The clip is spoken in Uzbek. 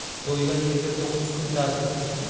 to'ygan yerga to'qqiz kun ta'zim